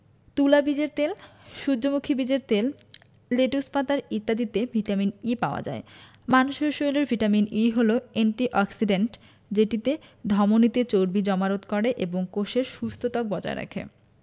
তুলা বীজের তেল সূর্যমুখী বীজের তেল লেটুস পাতার ইত্যাদিতে ভিটামিন ি পাওয়া যায় মানুষের শরীলে ভিটামিন ই হলো এন্টি অক্সিডেন্ট যেটি ধমনিতে চর্বি জমা রোধ করে এবং কোষের সুস্থ ত্বক বজায় রাখে